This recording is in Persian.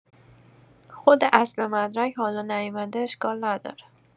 خود اصل مدرک حالا نیومده اشکال نداره